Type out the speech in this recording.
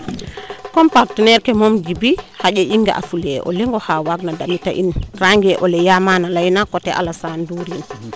comme partenaire ke moom Djiby xanja i nga a fule o leŋ oxa waag na damita fula in range ole ya Mane a leyna coté Alassane Ndour iin